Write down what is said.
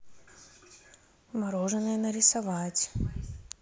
мороженое нарисовать